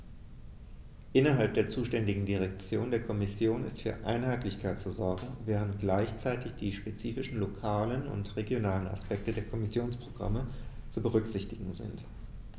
Innerhalb der zuständigen Direktion der Kommission ist für Einheitlichkeit zu sorgen, während gleichzeitig die spezifischen lokalen und regionalen Aspekte der Kommissionsprogramme zu berücksichtigen sind.